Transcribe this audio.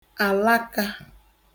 àlakā